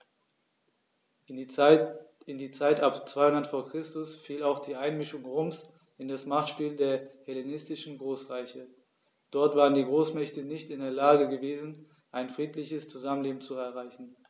In die Zeit ab 200 v. Chr. fiel auch die Einmischung Roms in das Machtspiel der hellenistischen Großreiche: Dort waren die Großmächte nicht in der Lage gewesen, ein friedliches Zusammenleben zu erreichen.